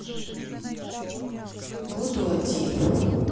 буду один